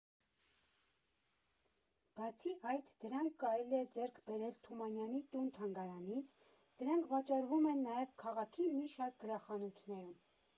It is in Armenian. Բացի այդ, դրանք կարելի է ձեռք բերել Թումանյանի տուն֊թանգարանից, դրանք վաճառվում են նաև քաղաքի մի շարք գրախանութներում։